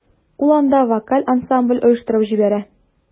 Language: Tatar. Ул анда вокаль ансамбль оештырып җибәрә.